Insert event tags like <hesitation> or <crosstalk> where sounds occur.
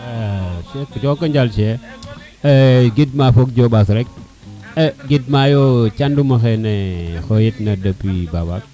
<music> <hesitation> cheikh jokonjal Cheikh <hesitation> gidma fok jombas rek e gid mayo caɗuma xene xoyit na depuis babak